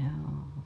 joo